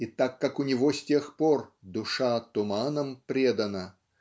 и так как у него с тех пор "душа туманам предана"